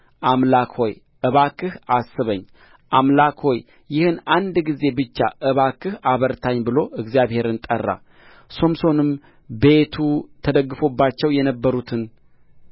አምላክ ሆይ እባክህ አስበኝ አምላክ ሆይ ይህን አንድ ጊዜ ብቻ እባክህ አበርታኝ ብሎ እግዚአብሔርን ጠራ ሶምሶንም ቤቱ ተደግፎባቸው የነበሩትን